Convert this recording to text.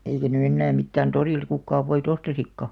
eikä nyt enää mitään torilta kukaan voita ostaisikaan